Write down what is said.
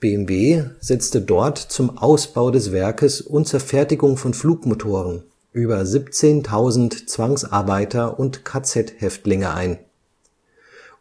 BMW setzte dort zum Ausbau des Werkes und zur Fertigung von Flugmotoren über 17.000 Zwangsarbeiter und KZ-Häftlinge ein.